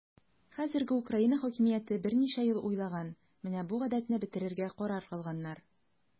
Хәзерге Украина хакимияте берничә ел уйлаган, менә бу гадәтне бетерергә карар кылганнар.